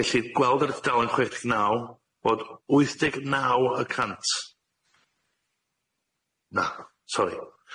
Gellith gweld yr dudalen chwech deg naw bod wyth deg naw y cant, na sori.